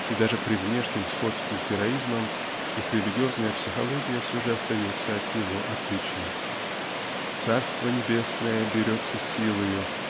и даже при внешнем сходстве с героизмом их религиозная психология все же остается от него отлична. "Царство небесное берется силою